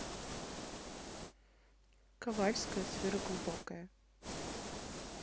кольское сверхглубокое